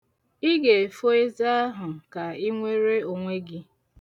Ị ga-efo eze ahụ ka i nwere onwe gị.